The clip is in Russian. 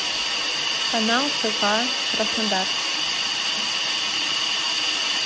канал фк краснодар